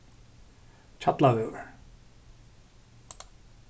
hjallavegur